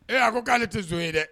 Ee a ko k' ne tɛ so ye dɛ